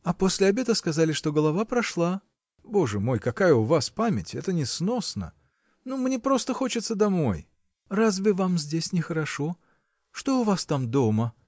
– А после обеда сказали, что голова прошла. – Боже мой, какая у вас память! Это несносно! Ну, мне просто хочется домой. – Разве вам здесь нехорошо? Что у вас там, дома?